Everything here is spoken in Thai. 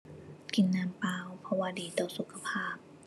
กินน้ำเปล่า เพราะว่าดีต่อสุขภาพ